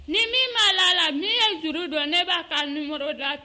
Ni min b'a la la min ye juru dɔn ne b'a ka n dɔn